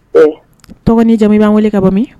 Tɔgɔ jamu b'an wele ka bɔ min